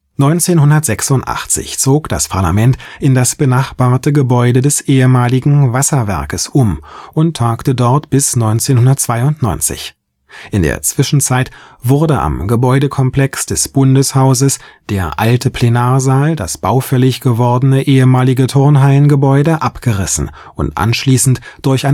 1986 zog das Parlament in das benachbarte Gebäude des ehemaligen Wasserwerkes um und tagte dort bis 1992. In der Zwischenzeit wurde am Gebäudekomplex des Bundeshauses der alte Plenarsaal, das baufällig gewordene ehemalige Turnhallengebäude, abgerissen und anschließend durch